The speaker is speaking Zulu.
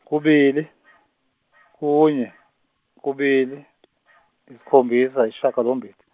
kubili kunye kubili isikhombisa isishagalombili.